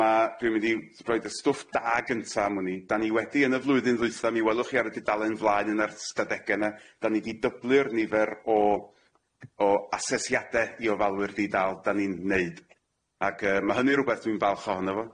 Ma' dwi'n mynd i roid y stwff da gynta am wn i. 'Dan ni wedi yn y flwyddyn ddwytha mi welwch chi ar y dudalen flaen yn yr ystadege yna 'dan ni di dyblu'r nifer o o asesiade i ofalwyr di-dal 'dan ni'n neud ac yy ma' hynny rwbeth dwi'n falch ohono fo.